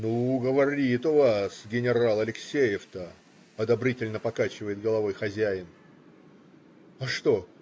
"Ну, говорит у вас генерал Алексеев-то",- одобрительно покачивает головой хозяин. "А что?